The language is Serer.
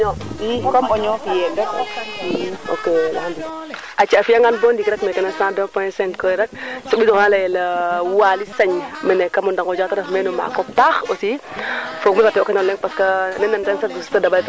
jaamba xong o fogole Diarekh fo ke widuuna maxey simna nuun na kon nuun fo simangol nuun masa a nuun coono adna